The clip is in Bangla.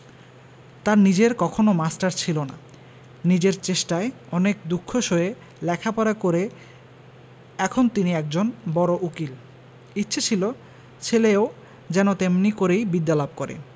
তাঁর নিজের কখনো মাস্টার ছিল না নিজের চেষ্টায় অনেক দুঃখ সয়ে লেখাপড়া করে এখন তিনি একজন বড় উকিল ইচ্ছে ছিল ছেলেও যেন তেমনি করেই বিদ্যা লাভ করে